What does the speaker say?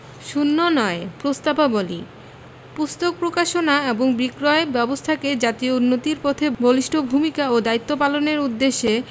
০৯ প্রস্তাবাবলী পুস্তক প্রকাশনা ও বিক্রয় ব্যাবস্থাকে জাতীয় উন্নতির পথে বলিষ্ঠ ভূমিকা ও দায়িত্ব পালনের উদ্দেশ্যে